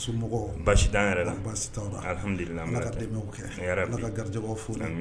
Somɔgɔ basitan yɛrɛ la basihadula kɛ yɛrɛ garijɛ furu